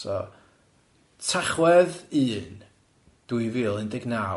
So Tachwedd un, dwy fil un deg naw.